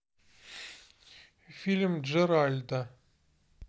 фильм джеральда